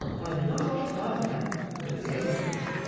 Газинур башкалар белән бергә йөгерде.